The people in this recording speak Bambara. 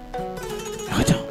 Ka